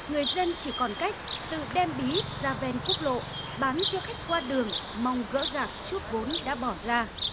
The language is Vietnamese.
người dân chỉ còn cách tự đem bí ra ven quốc lộ bán cho khách qua đường mong gỡ gạc chút vốn đã bỏ ra